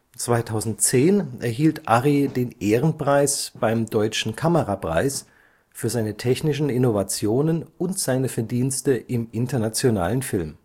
2010 erhielt Arri den Ehrenpreis beim Deutschen Kamerapreis für seine technischen Innovationen und seine Verdienste im internationalen Film